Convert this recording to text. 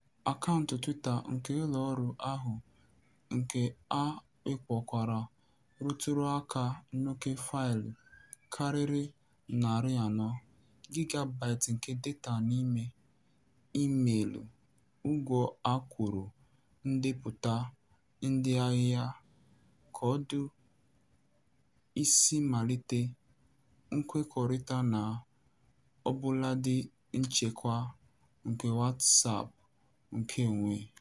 Akaụntụ Twitter nke ụlọọrụ ahụ, nke a wakpokwara, rụtụrụ aka n'oke faịlụ karịrị 400 gigabytes nke data ime: imeelụ, ụgwọ a kwụrụ, ndepụta ndịahịa, koodu isi mmalite, nkwekọrịta na ọbụladị nchekwa nke WhatsApp nkeonwe.